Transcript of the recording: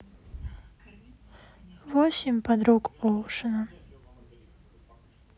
восемь подруг оушена